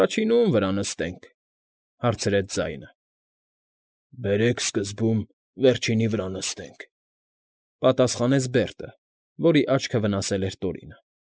Առաջինը ո՞ւմ վրա նստենք,֊ հարցրեց ձայնը։ ֊ Բերեք սկզբում վերջինի վրա նստենք,֊ պատասխանեց Բերտը, որի աչքը վնասել էր Տորինը։